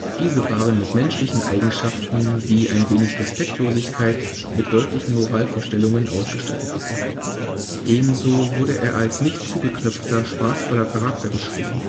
Diese waren mit menschlichen Eigenschaften wie ein wenig Respektlosigkeit mit deutlichen Moralvorstellungen ausgestattet. Ebenso wurde er als nicht zugeknöpfter, spaßvoller Charakter beschrieben